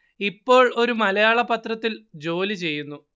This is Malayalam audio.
ഇപ്പോൾ ഒരു മലയാള പത്രത്തിൽ ജോലി ചെയ്യുന്നു